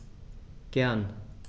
Gern.